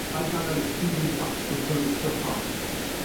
A paid gadal i'r thieving bastard cymyd stwff o.